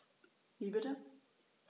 Wie bitte?